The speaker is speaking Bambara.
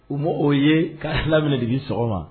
U ma o ye ka hakili minɛ de di sɔgɔma